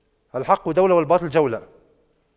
الحق دولة والباطل جولة